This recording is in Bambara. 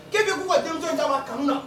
K' bɛ'u ka denmisɛnw saba ka